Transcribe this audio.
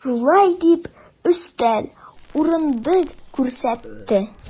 Шулай дип, өстәл, урындык күрсәтте.